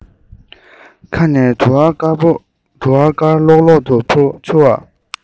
ཁ ནས དུ བ དཀར ལྷོག ལྷོག ཏུ འཕྱུར བ